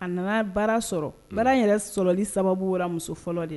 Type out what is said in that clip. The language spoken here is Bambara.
A nana baara sɔrɔ baara yɛrɛ sɔrɔli sababu wɛrɛ muso fɔlɔ de